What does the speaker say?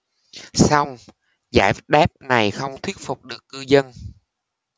song giải đáp này không thuyết phục được cư dân